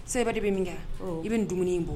Se de bɛ min kɛ i bɛ dumuni bɔ